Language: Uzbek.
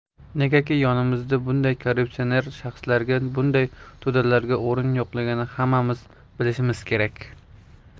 negaki yonimizda bunday korrupsioner shaxslarga bunday to'dalarga o'rin yo'qligini hammamiz bildirishimiz kerak